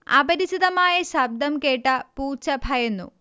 അപരിചിതമായ ശബ്ദം കേട്ട പൂച്ച ഭയന്നു